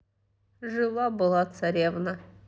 жила была царевна